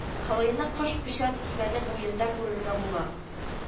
Кылыйны кыш печән кибәне буенда күрергә була